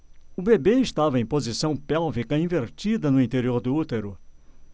o bebê estava em posição pélvica invertida no interior do útero